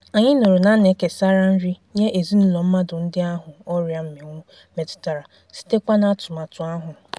GV: Anyị nụrụ na a na-ekesara nri nye ezinụlọ mmadụ ndị ahụ ọrịa mmịnwụ metụtara site kwa n'atụmatụ ahụ.